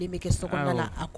Ne bɛ kɛ la